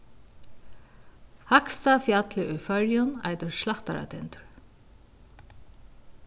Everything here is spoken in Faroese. hægsta fjallið í føroyum eitur slættaratindur